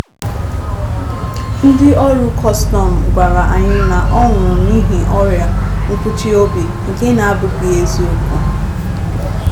Ndị ọrụ kọstọmụ gwara anyị na ọ nwụrụ n'ihi ọrịa nkụchi obi, nke na-abụghị eziokwu.